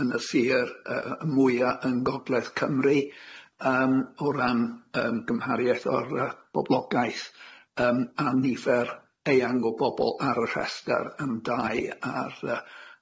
yn y Sir yy mwya yn Gogledd Cymru yym o ran yym gymhariaeth o'r yy boblogaeth yym a nifer eang o bobol ar y rhestr yym dau a'r yy.